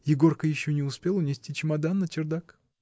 — Егорка еще не успел унести чемодан на чердак!.